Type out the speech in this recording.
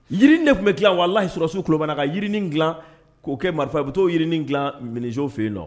Yiri ne tun bɛ tila wala lahi' surasiw kubana ka yiriini dila k'o kɛ marifa a bɛ taa yiriini dila minisow fɛ yen dɔn